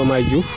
Diomaye Diouf